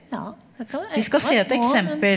ja det kan du kan være små òg men.